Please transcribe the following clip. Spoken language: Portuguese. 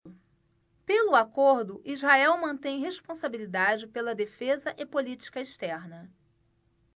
pelo acordo israel mantém responsabilidade pela defesa e política externa